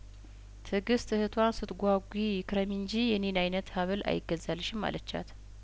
ትግስት እህቷን ስትጓጉ ክረሚ እንጂ የኔን አይነት ሀብል አይገዛልሽም አለቻት